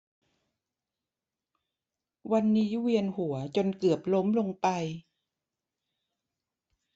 วันนี้เวียนหัวจนเกือบล้มลงไป